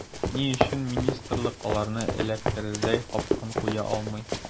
Ни өчен министрлык аларны эләктерердәй “капкан” куя алмый.